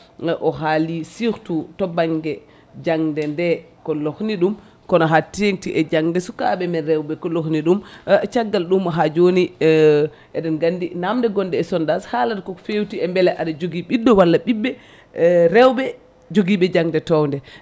o haali surtout to banggue jangdede ko lokhni ɗum kono ha tenngti e jangde sukaɓe men rewɓe ko lohni ɗum caggal ɗum ha joni eɗen gandi namde gonɗe e sondage haalata koko fewti e beela aɗa jogui ɓiɗɗo ɓiɓɓe rewɓe joguiɓe jangde towde